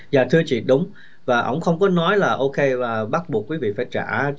dạ thưa chị đúng và ổng không có nói là ok và bắt buộc quý vị phải trả